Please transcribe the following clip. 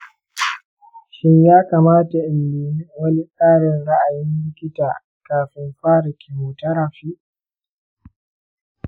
shin ya kamata in nemi wani ƙarin ra’ayin likita kafin fara chemotherapy?